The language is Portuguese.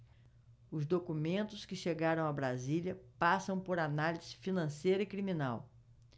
os documentos que chegaram a brasília passam por análise financeira e criminal